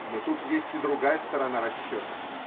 – Но тут есть и другая сторона расчета.